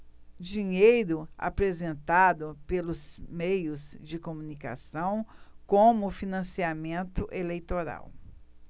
dinheiro apresentado pelos meios de comunicação como financiamento eleitoral